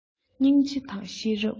སྙིང རྗེ དང ཤེས རབ